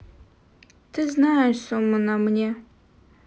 ты знаешь сумму на мне